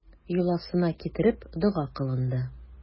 Йоласына китереп, дога кылынды.